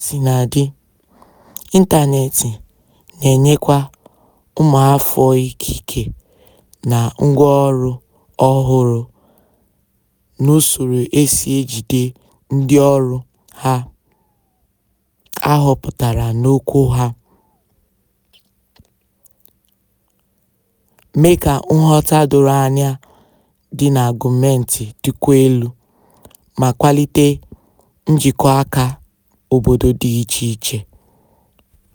Kaosinadị, ịntaneetị na-enyekwa ụmụafọ ikike na ngwáọrụ ọhụrụ na usoro e si ejide ndịọrụ ha ahọpụtara n'okwu ha, mee ka nghọta doro anya dị na gọọmenti dịkwuo elu, ma kwalite njikọaka obodo dị icheiche.